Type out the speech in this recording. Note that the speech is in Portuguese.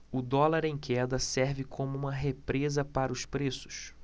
o dólar em queda serve como uma represa para os preços